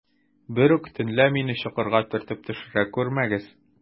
Берүк төнлә мине чокырга төртеп төшерә күрмәгез.